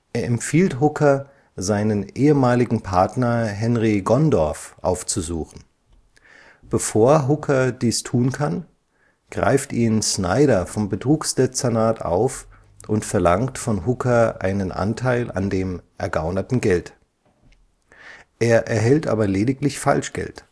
empfiehlt Hooker, seinen ehemaligen Partner Henry Gondorff aufzusuchen. Bevor Hooker dies tun kann, greift ihn Snyder vom Betrugsdezernat auf und verlangt von Hooker einen Anteil an dem ergaunerten Geld. Er erhält aber lediglich Falschgeld